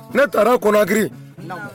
Ne taara Konakiri, naamu